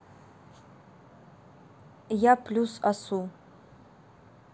я плюс асу